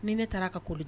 Ni ne taara ka ko